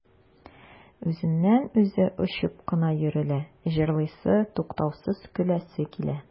Үзеннән-үзе очып кына йөрелә, җырлыйсы, туктаусыз көләсе килә.